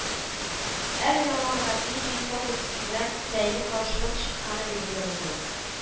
Әле яңа гына Дмитрий Торбинский белән бәйле каршылык чыкканы билгеле булды